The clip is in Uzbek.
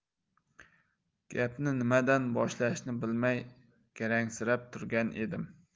gapni nimadan boshlashni bilmay garangsib turgan edim